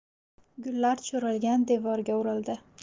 gullar tushirilgan devorga urildi